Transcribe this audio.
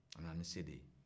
a nana ni se de ye